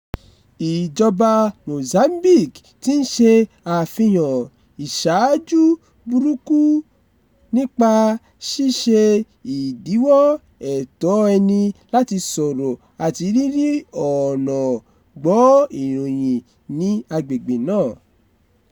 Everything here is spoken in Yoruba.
Ìjọba Mozambique ti ń ṣe àfihàn ìṣáájú burúkú nípa ṣíṣe ìdíwọ́ ẹ̀tọ́ ẹni láti sọ̀rọ̀ àti rírí ọ̀nà gbọ́ ìròyìn ní agbègbè náà.